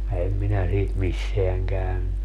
en minä siitä missään käynyt